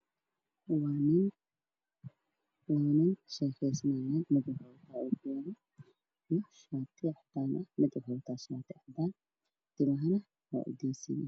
Waxaa ii muuqda kala duwan oo sheekaysanayso waxa ay wataan dhar acad